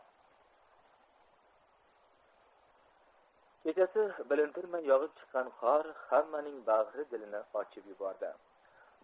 kechasi bilintirmay yog'ib chiqqan qor hammaning bahri dilini ochib yubordi